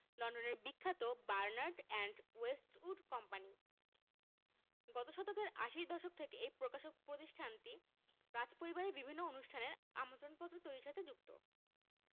লন্ডনের বিখ্যাত Barnard and Westwood company গত শতকের আশির দশক থেকে এই প্রকাশক প্রতিষ্ঠানটি রাজপরিবারের বিভিন্ন অনুষ্ঠানের আমন্ত্রণপত্র তৈরির সঙ্গে যুক্ত